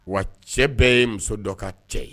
Wa cɛ bɛɛ ye muso dɔ ka cɛ ye